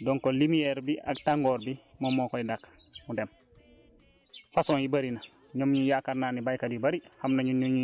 donc lumière fra bi ak tàngoor bi moom moo koy dàq mu dem